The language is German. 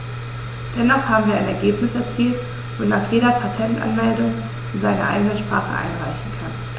Dennoch haben wir ein Ergebnis erzielt, wonach jeder Patentanmeldungen in seiner eigenen Sprache einreichen kann.